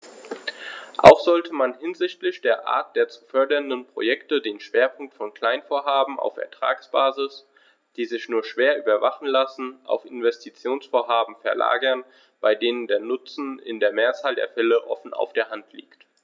Auch sollte man hinsichtlich der Art der zu fördernden Projekte den Schwerpunkt von Kleinvorhaben auf Ertragsbasis, die sich nur schwer überwachen lassen, auf Investitionsvorhaben verlagern, bei denen der Nutzen in der Mehrzahl der Fälle offen auf der Hand liegt.